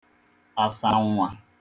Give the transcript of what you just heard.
asanwa